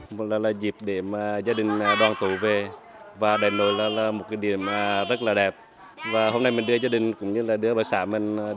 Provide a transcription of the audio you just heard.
và là là dịp để mà gia đình đoàn tụ về và đại nội là là một cái điểm mà rất là đẹp và hôm nay mình đưa gia đình cũng như là đưa bà xã mình